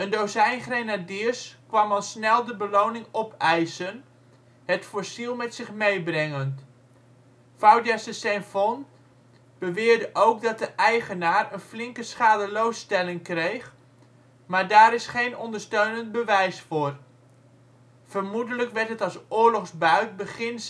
dozijn grenadiers kwam al snel de beloning opeisen, het fossiel met zich meebrengend. Faujas de Saint-Fond beweerde ook dat de eigenaar een flinke schadeloosstelling kreeg maar daar is geen ondersteunend bewijs voor. Vermoedelijk werd het als oorlogsbuit begin